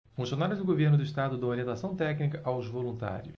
funcionários do governo do estado dão orientação técnica aos voluntários